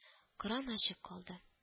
Кран ачык калды